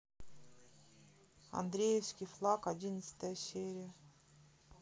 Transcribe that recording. андреевский флаг одиннадцатая серия